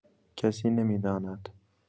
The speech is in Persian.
کسی نمی‌داند.